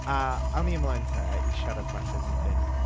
A, awn ni ymlaen te i siarad falle tipyn...